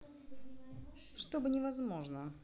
чтобы невозможно